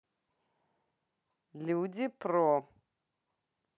люди про